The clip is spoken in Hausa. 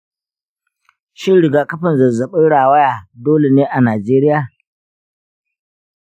shin rigakafin zazzabin rawaya dole ne a najeriya?